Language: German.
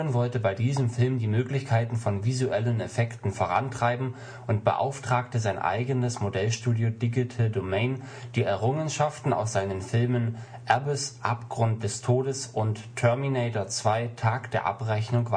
wollte bei diesem Film die Möglichkeiten von visuellen Effekten vorantreiben und beauftragte sein eigenes Modellstudio Digital Domain die Errungenschaften aus seinen Filmen Abyss – Abgrund des Todes und Terminator 2 – Tag der Abrechnung weiterzuentwickeln